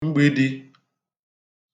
mgbidi